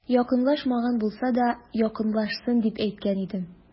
Якынлашмаган булса да, якынлашсын, дип әйткән идем.